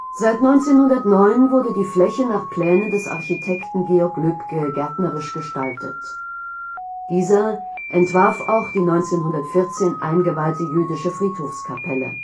Seit 1909 wurde die Fläche nach Plänen des Architekten Georg Lübke gärtnerisch gestaltet. Dieser entwarf auch die 1914 eingeweihte jüdische Friedhofskapelle